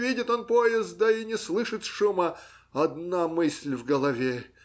Не видит он поезда и не слышит шума одна мысль в голове